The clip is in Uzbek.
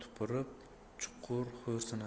tupurib chuqur xo'rsinadi